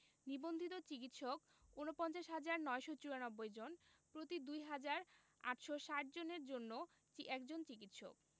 নিবন্ধিত চিকিৎসক ৪৯হাজার ৯৯৪ জন প্রতি ২হাজার ৮৬০ জনের জন্য একজন চিকিৎসক